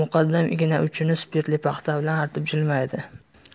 muqaddam igna uchini spirtli paxta bilan artib jilmaydi